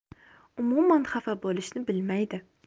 umuman xafa bo'lishni bilmaydi